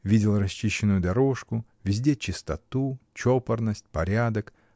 видел расчищенную дорожку, везде чистоту, чопорность, порядок